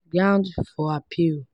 Grounds for appeal